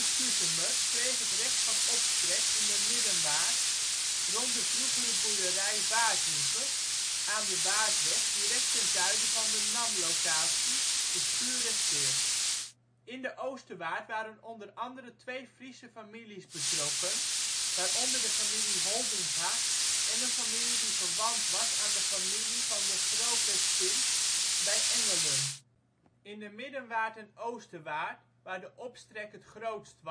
Kuzemer kreeg het recht van opstrek in de Middenwaard, rond de vroegere boerderij ' Waardhoeve ' (aan de Waardweg direct ten zuiden van de NAM-locatie, schuur resteert). In de Oosterwaard waren onder andere twee Friese families betrokken, waaronder de familie Holdinga en een familie die verwant was aan de familie van de Grovestins bij Engelum. In de Middenwaard en Oosterwaard waar de opstrek het grootst